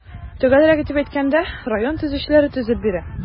Төгәлрәк итеп әйткәндә, район төзүчеләре төзеп бирә.